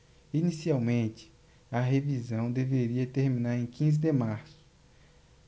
inicialmente a revisão deveria terminar em quinze de março